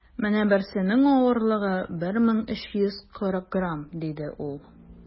- менә берсенең авырлыгы 1340 грамм, - диде ул.